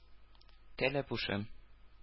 Кәләпүшем